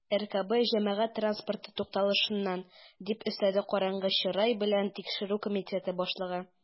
"ркб җәмәгать транспорты тукталышыннан", - дип өстәде караңгы чырай белән тикшерү комитеты башлыгы.